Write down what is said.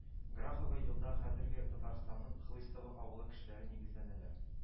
Грахово елда хәзерге Татарстанның Хлыстово авылы кешеләре нигезләнәләр